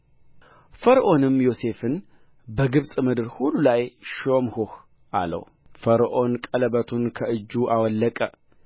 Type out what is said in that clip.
ፈርዖንም ዮሴፍን በግብፅ ምድር ሁሉ ላይ ሾምሁህ አለው ፈርዖን ቀለበቱን ከእጁ አወለቀ